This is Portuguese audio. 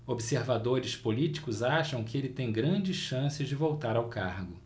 observadores políticos acham que ele tem grandes chances de voltar ao cargo